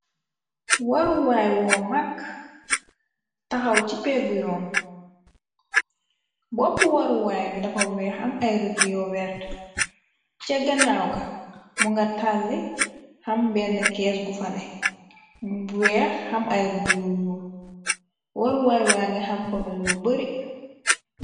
Waruwaay woo magg taxaw ci peggu yoon bopp. Waruwaay wi dafa weex am ay rëdiyo wert. Ce ganaaw ga mu nga tàlli. Am benn kees gufane mubu weex xam ay rëdiyo ñul waruwaay waa nga xamponal yu bari.